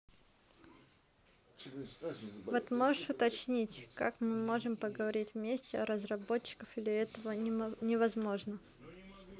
вот можешь уточнить как мы можем поговорить вместе о разработчиков или этого невозможно